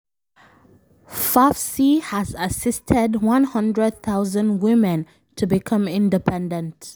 FAFCI has assisted 100,000 women to become independent.